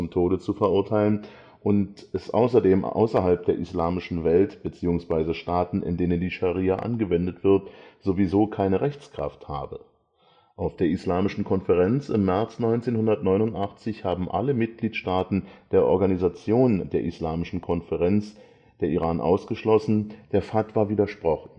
Tode zu verurteilen und es außerdem außerhalb der islamischen Welt (bzw. Staaten, in denen die Scharia angewendet wird) sowieso keine Rechtskraft habe. Auf der Islamischen Konferenz im März 1989 haben alle Mitgliedsstaaten der Organisation der Islamischen Konferenz (Iran ausgeschlossen) der Fatwa widersprochen